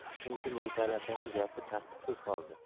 shuning uchun yigitali akaning gapi tasdiqsiz qoldi